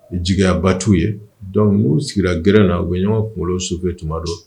Jigiyabatuu ye dɔnkuc u sigira g na u bɛ ɲɔgɔn kunkolo sufɛ tuma don